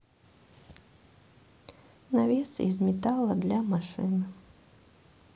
навес из металла для машины